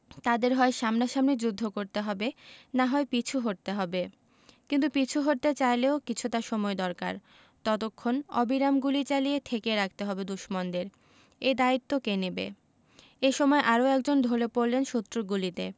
তাঁদের হয় সামনাসামনি যুদ্ধ করতে হবে না হয় পিছু হটতে হবে কিন্তু পিছু হটতে চাইলেও কিছুটা সময় দরকার ততক্ষণ অবিরাম গুলি চালিয়ে ঠেকিয়ে রাখতে হবে দুশমনদের এ দায়িত্ব কে নেবে এ সময় আরও একজন ঢলে পড়লেন শত্রুর গুলিতে